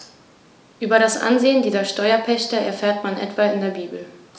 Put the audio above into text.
Über das Ansehen dieser Steuerpächter erfährt man etwa in der Bibel.